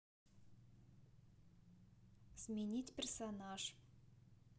сменить персонаж